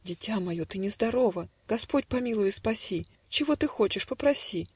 "- Дитя мое, ты нездорова; Господь помилуй и спаси! Чего ты хочешь, попроси.